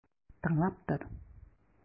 Тыңлап тор!